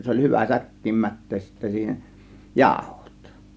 se oli hyvä säkkiin mättää sitten siihen jauhot